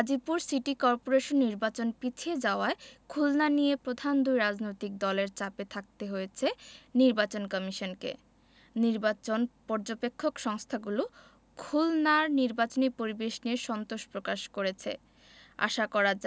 Gazipur city corporation নির্বাচন পিছিয়ে যাওয়ায় খুলনা নিয়ে প্রধান দুই রাজনৈতিক দলের চাপে থাকতে হয়েছে নির্বাচন কমিশনকে নির্বাচন পর্যবেক্ষক সংস্থাগুলো খুলনার নির্বাচনী পরিবেশ নিয়ে সন্তোষ প্রকাশ করেছে